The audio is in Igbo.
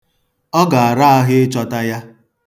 Ọ ga-ara ahụ ịchọta ya.